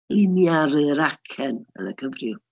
Liniaru'r acen, fel y cyfryw.